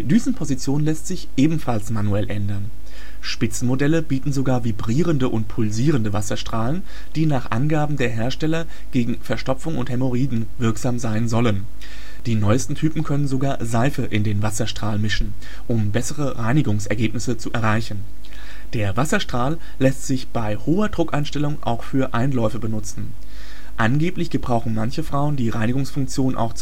Düsenposition lässt sich ebenfalls manuell ändern. Spitzenmodelle bieten sogar vibrierende und pulsierende Wasserstrahlen, die nach Angaben der Hersteller gegen Verstopfung und Hämorrhoiden wirksam sein sollen. Die neuesten Typen können sogar Seife in den Wasserstrahl mischen, um bessere Reinigungsergebnisse zu erreichen. Der Wasserstrahl lässt sich bei hoher Druckeinstellung auch für Einläufe benutzen. Angeblich gebrauchen manche Frauen die Reinigungsfunktion auch